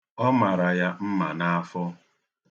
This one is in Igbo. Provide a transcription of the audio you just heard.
Ọ mara ya mma n'afọ.